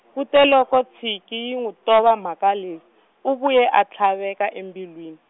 kute loko Tsinkie yi nwi tova mhaka leyi, u vuye a tlhaveka embilwini.